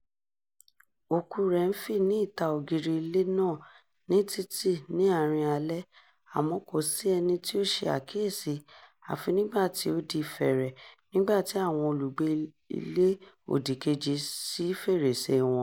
Òkúu rẹ̀ ń fì ní ìta ògiri ilé náà ní títì ní àárín alẹ́, àmọ́ kò sí ẹni tí ó se àkíyèsí àfi ní ìgbà tí ó di fẹ̀ẹ̀rẹ̀ nígbà tí àwọn alùgbé ilé òdì kejì ṣí fèrèsée wọn.